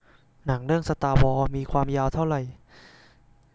หนังเรื่องสตาร์วอร์มีความยาวเท่าไหร่